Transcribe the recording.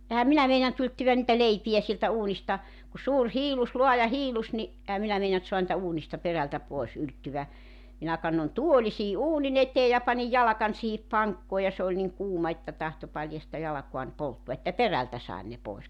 enhän minä meinannut ylettvä niitä leipiä sieltä uunista kun suuri hiillos laaja hiillos niin enhän minä meinannut saada niitä uunista perältä pois ylettyä minä kannoin tuolin siihen uunin eteen ja panin jalkani siihen pankkoon ja se oli niin kuuma että tahtoi paljasta jalkaani polttaa että perältä sain ne pois